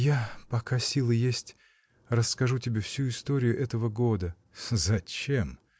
— Я, пока силы есть, расскажу тебе всю историю этого года. — Зачем?